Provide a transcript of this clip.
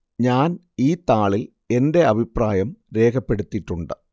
ഞാന്‍ ഈ താളില്‍ എന്റെ അഭിപ്രായം രേഖപ്പെടുത്തിയിട്ടുണ്ട്